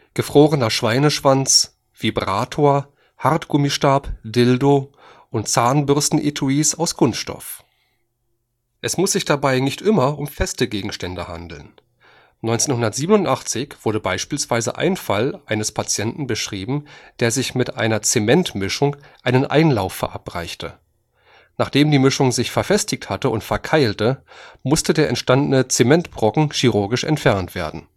gefrorener Schweineschwanz, Vibrator, Hartgummistab, Gummiphallus und Zahnbürstenetuis aus Kunststoff Es muss sich dabei nicht immer um feste Gegenstände handeln. 1987 wurde beispielsweise ein Fall eines Patienten beschrieben, der sich mit einer Zementmischung einen Einlauf verabreichte. Nachdem die Mischung sich verfestigte und verkeilte, musste der entstandene Zementbrocken chirurgisch entfernt werden